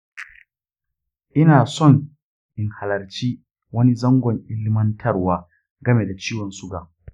ina son in halarci wani zangon ilmantarwa game da ciwon suga.